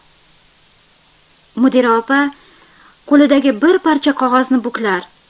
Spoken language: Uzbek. mudira opa qo'lidagi bir parcha qog'ozni buklar